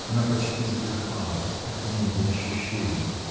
Она почти задыхалась от неги ощущений